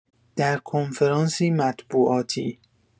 در کنفرانسی مطبوعاتی